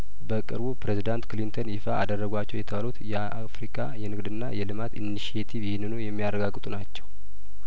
በቅርቡ ፕሬዚዳንት ክሊንተን ይፋ አደረጓቸው የተባሉት የአፍሪካ የንግድና የልማት ኢኒሺዬቲቭ ይህንኑ የሚያረጋግጡ ናቸው